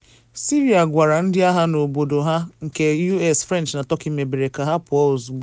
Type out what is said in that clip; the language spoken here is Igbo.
Syria gwara ‘ndị agha nọ n’obodo ha’ nke US, French na Turkey mebere ka ha pụọ ozugbo